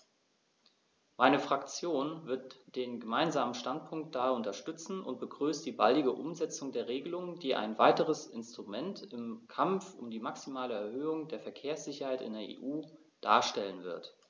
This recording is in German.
Meine Fraktion wird den Gemeinsamen Standpunkt daher unterstützen und begrüßt die baldige Umsetzung der Regelung, die ein weiteres Instrument im Kampf um die maximale Erhöhung der Verkehrssicherheit in der EU darstellen wird.